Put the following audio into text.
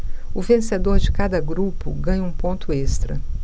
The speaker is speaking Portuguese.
o vencedor de cada grupo ganha um ponto extra